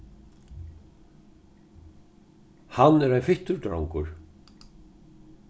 hann er ein fittur drongur